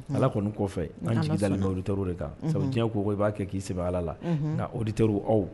Ala kɔni kɔfɛ kato de kan sabu diɲɛ ko i b'a kɛ k'i sɛbɛn ala la ka oditr aw